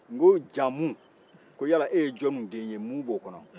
nko jamu ko yala e ye jɔmu den ye mu b'o kɔnɔ